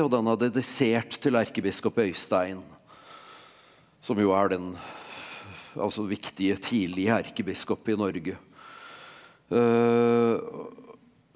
og den har dedisert til erkebiskop Øystein som jo er den altså viktige tidlige erkebiskop i Norge .